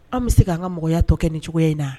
An bɛ se anan ka mɔgɔya tɔ kɛ ni cogo in na